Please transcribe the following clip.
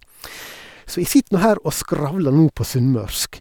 Så jeg sitter nå her og skravler nå på sunnmørsk.